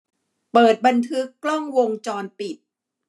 เปิดบันทึกกล้องวงจรปิด